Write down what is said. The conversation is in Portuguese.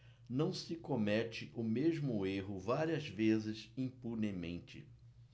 não se comete o mesmo erro várias vezes impunemente